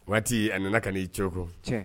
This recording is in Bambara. Waati a nana ka n'i cooko